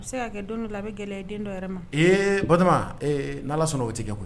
A se ka kɛ don dɔ la a bɛ gɛlɛya den dɔ yɛrɛ ma ee ba n' sɔnna oo tɛ kɛ koyi